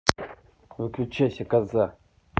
выключайся коза